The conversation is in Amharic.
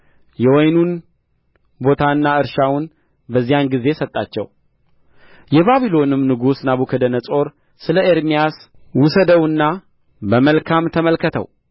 የወይኑን ቦታና እርሻውን በዚያን ጊዜ ሰጣቸው የባቢሎንም ንጉሥ ናቡከደነፆር ስለ ኤርምያስ ውሰደውና በመልካም ተመልከተው